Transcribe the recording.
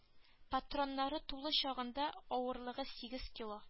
Патроннары тулы чагында авырлыгы сигез кило